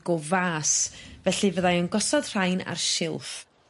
go fas felly fyddai yn gosod rhain a'r silff.